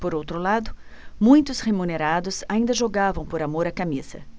por outro lado muitos remunerados ainda jogavam por amor à camisa